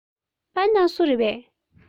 པེན ཀྲང སུ རེད